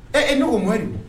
Ɛ e n' oo ma